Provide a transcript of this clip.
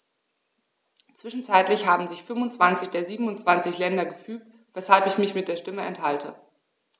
Zwischenzeitlich haben sich 25 der 27 Länder gefügt, weshalb ich mich der Stimme enthalte.